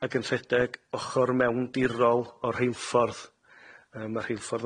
ag yn rhedeg ochor mewndirol o'r rheilffordd yym ma'r rheilffordd